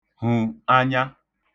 hù anya